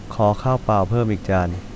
ขอข้าวเปล่่าเพิ่มอีกจาน